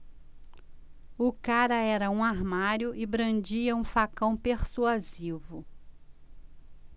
o cara era um armário e brandia um facão persuasivo